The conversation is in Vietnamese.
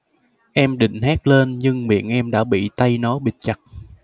em định hét lên nhưng miệng em đã bị tay nó bịt chặt